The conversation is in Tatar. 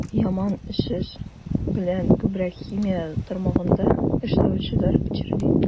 Яман шеш белән күбрәк химия тармагында эшләүчеләр чирли.